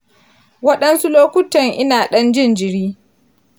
waɗansu lokuttan ina ɗan jin jiri